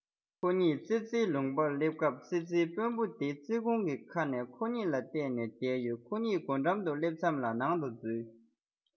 ཁོ གཉིས ཙི ཙིས ལུང པར སླེབས སྐབས ཙི ཙིའི དཔོན པོ དེ ཙི ཁུང གི ཁ ནས ཁོ གཉིས ལ བལྟས ནས བསྡད ཡོད ཁོ གཉིས སྒོ འགྲམ དུ སླེབས མཚམས ལ ནང དུ འཛུལ